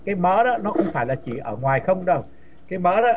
cái mỡ đó nó không phải là chỉ ở ngoài không đâu cái mỡ đó